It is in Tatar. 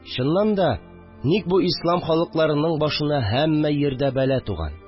Чыннан да, ник бу ислам халыкларының башына һәммә җирдә бәла туган